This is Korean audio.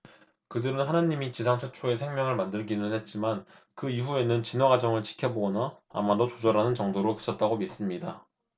그들은 하느님이 지상 최초의 생명을 만들기는 했지만 그 이후에는 진화 과정을 지켜보거나 아마도 조절하는 정도로 그쳤다고 믿습니다